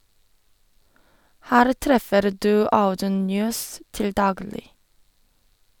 Her treffer du Audun Njøs til daglig.